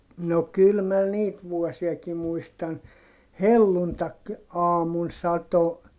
no kyllä minä niitä vuosiakin muistan - helluntaiaamun satoi